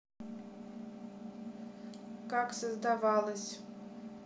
как создавалось